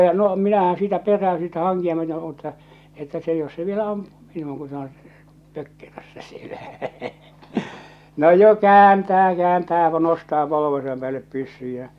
ja no minähän siitä peräydyn siitä hankia myöten mutta että se jos se vielä ampuu minuun kun se on pökkerössä siellä no jo kääntää kääntää ja nostaa polvensa päälle pyssyn ja